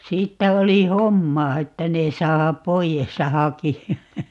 siitä oli hommaa että ne saa pois ja hakea